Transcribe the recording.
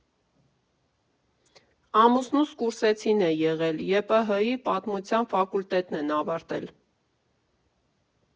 Ամուսնուս կուրսեցին է եղել, ԵՊՀ֊ի Պատմության ֆակուլտետն են ավարտել։